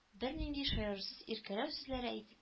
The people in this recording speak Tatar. Бернинди шаярусыз иркәләү сүзләре әйт